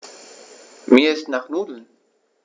Mir ist nach Nudeln.